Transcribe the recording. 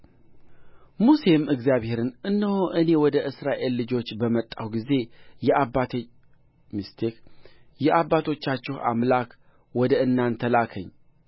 ሙሴም እግዚአብሔርን እነሆ እኔ ወደ እስራኤል ልጆች በመጣሁ ጊዜ የአባቶቻችሁ አምላክ ወደ እናንተ ላከኝ ባልሁም ጊዜ